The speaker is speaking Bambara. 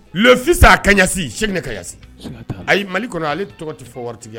Le fils à Kaɲasi Checknè Kaɲasi Mali kɔnɔ ale d tɔgɔ ti fɔ wari tigi